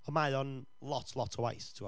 Ond mae o'n lot, lot o waith, tibod.